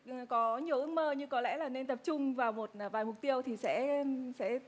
có nhiều ước mơ nhưng có lẽ là nên tập trung vào một vài mục tiêu thì sẽ em sẽ